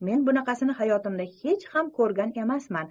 men bunaqasini hayotimda hech ham ko'rgan emasman